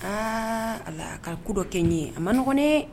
Aa ala ka ko dɔ kɛ n ye a man nɔgɔnɔni